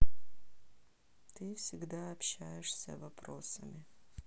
ты всегда общаешься вопросами